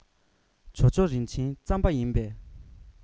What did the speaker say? ཇོ ཇོ རིན ཆེན རྩམ པ ཡིན པས